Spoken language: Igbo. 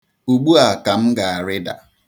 Ugbua ka m ga-arịda.